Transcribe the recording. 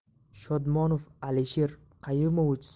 shodmonov alisher qayumovich